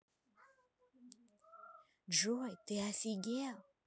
джой ты офигел